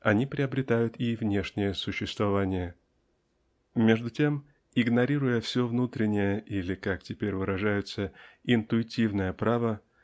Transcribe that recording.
они приобретают и внешнее существование. Между тем игнорируя все внутреннее или как теперь выражаются интуитивное право